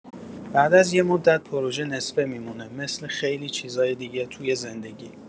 بعد از یه مدت، پروژه نصفه می‌مونه، مثل خیلی چیزای دیگه توی زندگی.